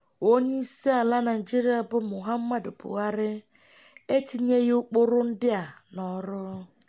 Onyeisiala Naịjirịa bụ Muhammadu Buhari etinyeghị ụkpụrụ ndị a n'ọrụ.